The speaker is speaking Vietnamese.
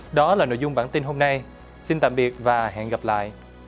đó là nội dung bản tin hôm nay xin tạm biệt và hẹn gặp lại